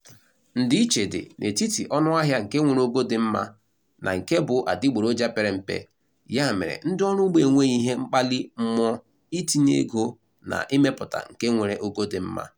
Ndiiche dị n'etiti ọnụahịa nke nwere ogo dị mma na nke bụ adịgboroja pere mpe, ya mere ndị ọrụugbo enweghị ihe mkpalị mmụọ itinye ego na imepụta nke nwere ogo dị mma